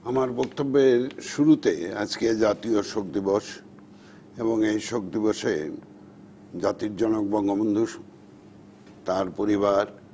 আমার বক্তব্যের শুরুতে আজকে জাতীয় শোক দিবস এবং এ শোক দিবসে জাতির জনক বঙ্গবন্ধু তার পরিবার